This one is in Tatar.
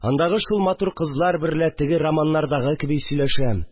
Андагы шул матур кызлар берлә теге романнардагы кеби сөйләшәм